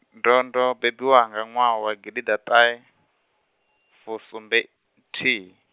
ndo ndo bebiwa nga ṅwaha wa gidiḓaṱahefusumbenthihi.